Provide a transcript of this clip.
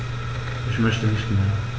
Ich möchte nicht mehr.